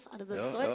er det det det står?